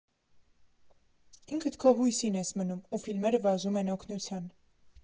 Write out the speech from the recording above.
Ինքդ քո հույսին ես մնում, ու ֆիլմերը վազում են օգնության։